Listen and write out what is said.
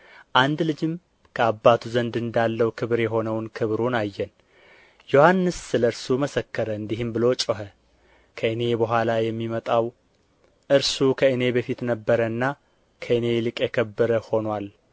አንድ ልጅም ከአባቱ ዘንድ እንዳለው ክብር የሆነው ክብሩን አየን ዮሐንስ ስለ እርሱ መሰከረ እንዲህም ብሎ ጮኸ ከእኔ በኋላ የሚመጣው እርሱ ከእኔ በፊት ነበረና ከእኔ ይልቅ የከበረ ሆኖአል